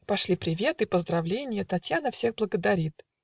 Пошли приветы, поздравленья; Татьяна всех благодарит.